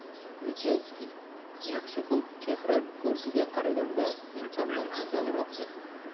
kluchevskiy yaxshi xulq chehra ko'rkiga qaraganda ming chandon afzalroqdir